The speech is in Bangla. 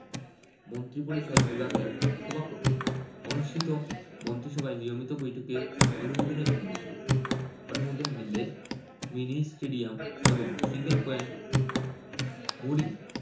মন্ত্রিপরিষদ বিভাগের সভাকক্ষে অনুষ্ঠিত মন্ত্রিসভার নিয়মিত বৈঠকে অনুমোদনের জন্য উঠবে অনুমোদন মিললে মিনি স্টেডিয়াম এবং সিঙ্গেল পয়েন্ট মোরিং